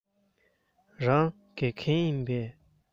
རང དགེ རྒན ཡིན པས